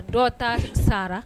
Dɔ ta sara